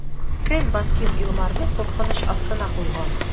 Кем банкир Илмарны куркыныч астына куйган?